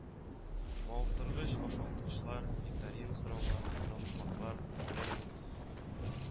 Мавыктыргыч башваткычлар, викторина сораулары, табышмаклар, Беләсең